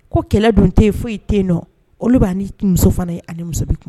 Ko kɛlɛ dun te ye foyi te yen nɔ olu b'a ni muso fana ye ani muso be kum